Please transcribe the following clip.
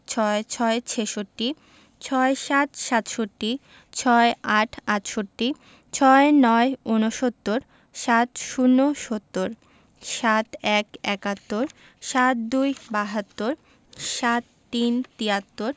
৬৬ – ছেষট্টি ৬৭ – সাতষট্টি ৬৮ – আটষট্টি ৬৯ – ঊনসত্তর ৭০ - সত্তর ৭১ – একাত্তর ৭২ – বাহাত্তর ৭৩ – তিয়াত্তর